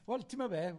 Wel, ti'mod be?